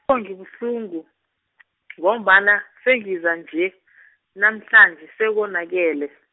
ngibuhlungu ngombana sengiza nje , namhlanje sekonakele.